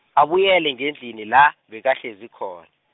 abuyele ngendlini la, bekahlezi khona.